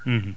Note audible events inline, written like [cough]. [hesitation] [hesitation]